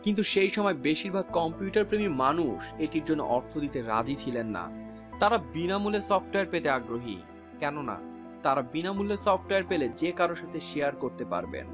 কিন্তু সেই সময় বেশিরভাগ কম্পিউটার প্রেমী মানুষ এটির জন্য দিতে রাজি ছিলেন না তারা বিনামূল্যে সফটওয়্যার পেতে আগ্রহী কেননা তারা বিনামূল্যে সফটওয়্যার পেলে যে কারো সাথে শেয়ার করতে পারবেন